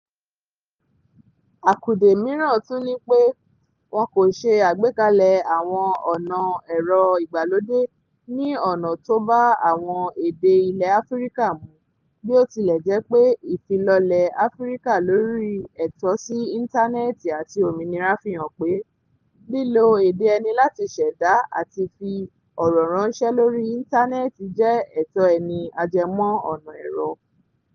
Àkùdè míràn tún ni pé wọ́n kò ṣe àgbékalẹ̀ àwọn ọ̀nà ẹ̀rọ̀ ìgbàlódé ní ọ̀nà tó ba àwọn èdè ilẹ̀ Áfíríkà mu, bí ó tilẹ́jẹ́pé Ìfilọ́lẹ̀ Áfíríkà lóri Ẹ̀tọ sí Ìńtánẹ́ẹ̀tì àti Òmìnira fi hàn pé “lílo èdè ẹni láti ṣẹ̀dá àti fi ọ̀rọ̀ ránṣẹ́ lórí Ìńtànẹ́ẹ̀tì jẹ́ ẹ̀tọ́ ẹni ajẹmọ́ ọ̀na ẹrọ”